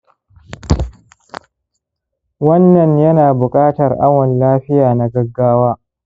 wannan ya na buƙatar awon lafiya na gaggawa